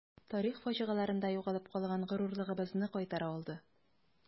Тарих фаҗигаларында югалып калган горурлыгыбызны кайтара алды.